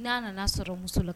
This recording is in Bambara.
N'a nana sɔrɔ musola